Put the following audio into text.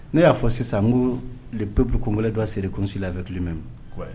Ne y'a fɔ sisan ŋoo le peuple congolais doit se reconcilier avec lui meme ouai